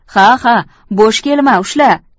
ha ha bo'sh kelma ushla